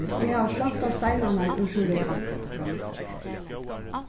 eg havi plantað steinarnar úr súreplinum